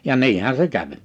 ja niinhän se kävi